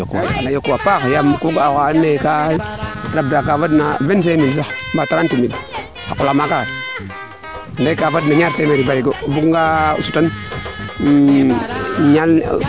xana yoq waa paax xano ga oxa ando naye kaa rab daa 25 mille sax mba 30 mille ande ka fadna ñaari temeer o barigo o buga nga sut ñaal ne